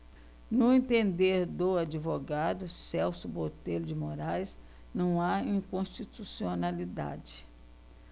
no entender do advogado celso botelho de moraes não há inconstitucionalidade